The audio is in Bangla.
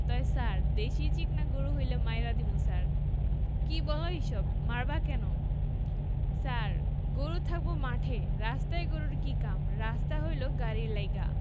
তয় ছার দেশি চিকনা গরু হইলে মাইরা দিমু ছার কী বলো এইসব মারবা কেন ছার গরু থাকবো মাঠে রাস্তায় গরুর কি কাম রাস্তা হইলো গাড়ির লাইগা